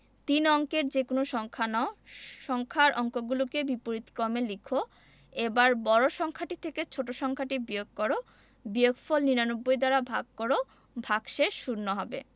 তিন অঙ্কের যেকোনো সংখ্যা নাও সংখ্যার অঙ্কগুলোকে বিপরীতক্রমে লিখ এবার বড় সংখ্যাটি থেকে ছোট সংখ্যাটি বিয়োগ কর বিয়োগফল ৯৯ দ্বারা ভাগ কর ভাগশেষ শূন্য হবে